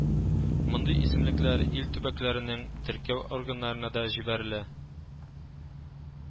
Мондый исемлекләр ил төбәкләренең теркәү органнарына да җибәрелә